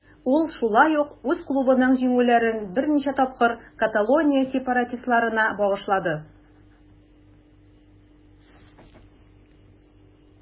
Ул шулай ук үз клубының җиңүләрен берничә тапкыр Каталония сепаратистларына багышлады.